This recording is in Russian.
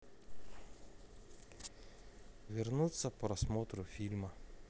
вернуться к просмотру фильма